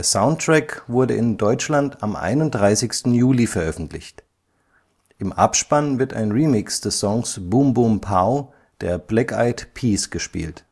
Soundtrack wurde in Deutschland am 31. Juli veröffentlicht. Im Abspann wird ein Remix des Songs Boom Boom Pow der Black Eyed Peas gespielt